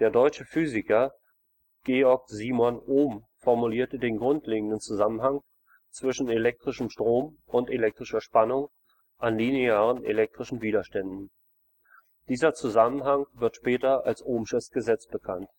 deutsche Physiker Georg Simon Ohm formulierte den grundlegenden Zusammenhang zwischen elektrischem Strom und elektrischer Spannung an linearen elektrischen Widerständen. Dieser Zusammenhang wird später als ohmsches Gesetz bekannt